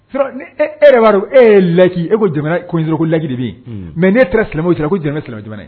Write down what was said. Sinon e yɛrɛ b'a dɔn e ko ko jamana constitution la laigue de bɛ yen, n'i e taara silamɛw cɛla ko jamana ye silamɛ jamana ye.